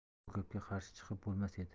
bu gapga qarshi chiqib bo'lmas edi